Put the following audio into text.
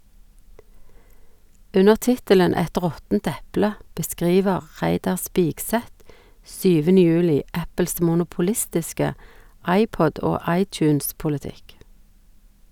Under tittelen "Et råttent eple" beskriver Reidar Spigseth 7. juli Apples monopolistiske iPod- og iTunes-politikk.